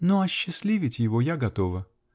-- Но осчастливить его я готова.